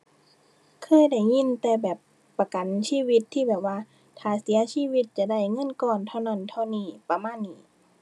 เคยได้ยินแต่แบบประกันชีวิตที่แบบว่าถ้าเสียชีวิตจะได้เงินก่อนเท่านั้นเท่านี้ ประมาณนี้